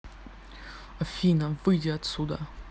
афина выйти отсюда